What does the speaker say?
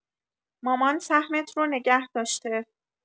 مامان سهمت رو نگه داشته.